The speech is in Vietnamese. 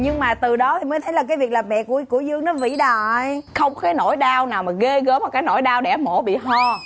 nhưng mà từ đó thì mới thấy là cái việc là mẹ của của dương nó vĩ đại không có cái nỗi đau nào ghê gớm hơn cả cái nỗi đau đẻ mổ bị ho